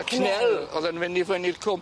Y cenel o'dd yn myn' i fyny'r cwm.